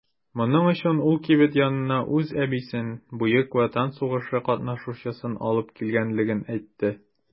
Моның өчен ул кибет янына үз әбисен - Бөек Ватан сугышы катнашучысын алып килгәнлеген әйтте.